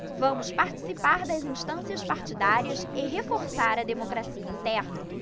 vamos participar das instâncias partidárias e reforçar a democracia interna